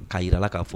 K'a jir'a la k'a fɔ